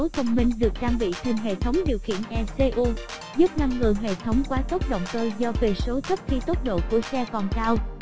hộp số thông minh được trang bị thêm hệ thống điều khiển ecu giúp ngăn ngừa hệ thống quá tốc động cơ do về số thấp khi tốc độ của xe còn cao